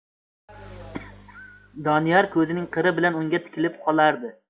doniyor ko'zining qiri bilan unga tikilib qolardi